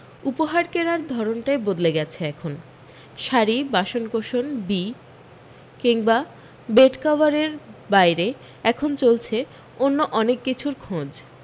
উপহার কেনার ধরনটাই বদলে গেছে এখন শাড়ি বাসনকোসন বি কিংবা বেডকভারের বাইরে এখন চলছে অন্য অনেক কিছুর খোঁজ